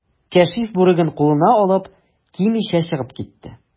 Кәшиф, бүреген кулына алып, кимичә чыгып китте.